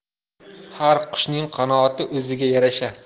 har qushning qanoti o'ziga yarasha